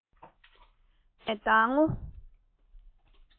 ཆ ཤས སུ གྱུར ནས ཟླ ངོ